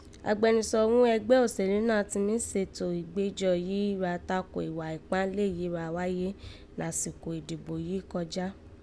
Agbẹnusọ ghún ẹgbẹ́ òsèlú náà ti mí ṣètò ìgbẹ́jọ́ yìí ra takò ìwà ìkpáǹle yìí ra wáyé nàsìkò ìdìbò yí kọjá